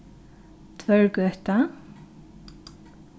tvørgøta